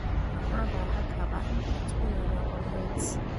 Amma ba haka ba, batu ne na gwamnati.